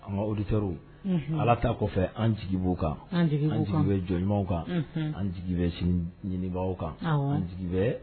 An oditruru ala t ta kɔfɛ an jigibo kan jigi bɛ jɔn ɲumanw kan an jigi bɛ sini ɲinibaa kan jigi bɛ